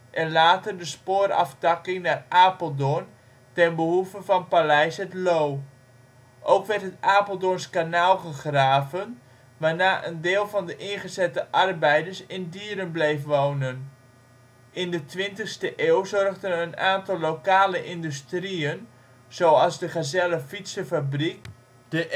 en later de spooraftakking naar Apeldoorn ten behoeve van Paleis Het Loo. Ook werd het Apeldoorns kanaal gegraven waarna een deel van de ingezette arbeiders in Dieren bleef wonen. In de 20e eeuw zorgden een aantal lokale industrieën zoals de Gazelle fietsenfabriek, de